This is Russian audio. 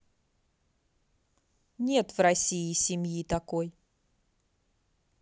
нет в россии семьи такой